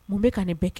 Mun bɛ ka nin bɛɛ k